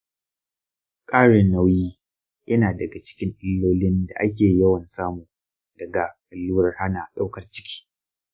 ƙarin nauyi yana daga cikin illolin da ake yawan samu daga allurar hana ɗaukar ciki.